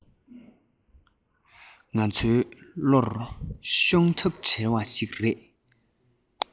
ང ཚོའི བློར ཤོང ཐབས བྲལ བ ཞིག རེད